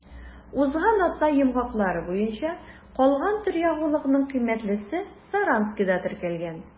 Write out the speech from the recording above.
Узган атна йомгаклары буенча калган төр ягулыкның кыйммәтлесе Саранскида теркәлгән.